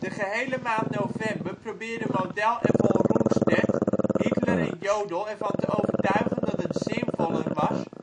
gehele maand november probeerden Model en Von Rundstedt Hitler en Jodl ervan te overtuigen dat het zinvoller was